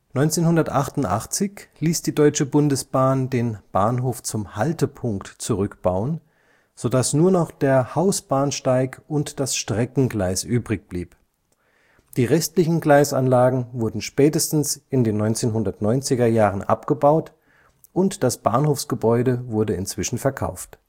1988 ließ die Deutsche Bundesbahn den Bahnhof zum Haltepunkt zurückbauen, sodass nur noch der Hausbahnsteig und das Streckengleis übrig blieb. Die restlichen Gleisanlagen wurden spätestens in den 1990er Jahren abgebaut und das Bahnhofsgebäude wurde inzwischen verkauft